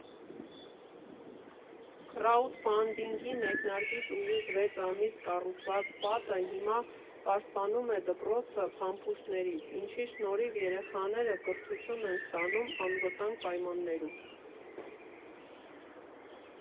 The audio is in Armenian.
Քրաութֆանդինգի մեկնարկից ուղիղ վեց ամիս կառուցված պատը հիմա պաշտպանում է դպրոցը փամփուշտներից, ինչի շնորհիվ երեխաները կրթություն են ստանում անվտանգ պայմաններում։